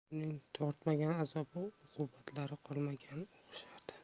uning tortmagan azob uqubatlari qolmaganga o'xshardi